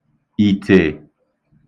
ìtè